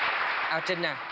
à trinh à